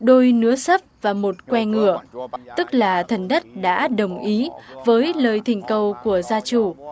đôi nứa sấp và một que ngửa tức là thần đất đã đồng ý với lời thỉnh cầu của gia chủ